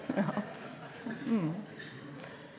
ja .